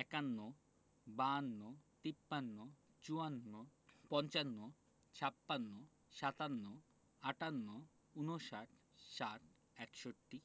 ৫১ একান্ন ৫২ বাহান্ন ৫৩ তিপ্পান্ন ৫৪ চুয়ান্ন ৫৫ পঞ্চান্ন ৫৬ ছাপ্পান্ন ৫৭ সাতান্ন ৫৮ আটান্ন ৫৯ ঊনষাট ৬০ ষাট ৬১ একষট্টি